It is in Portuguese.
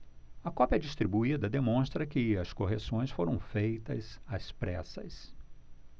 a cópia distribuída demonstra que as correções foram feitas às pressas